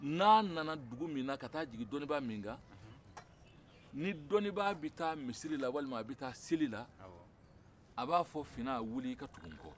n'a nana dugu min na ka taa jigin dɔnnibaa min kan ni dɔnnibaa bɛ taa misiri la walima a bɛ taa seli la a b'a fɔ finɛ wili i ka tugu n kɔ